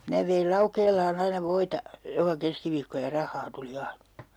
minä vein Laukeelaan aina voita joka keskiviikko ja rahaa tuli aina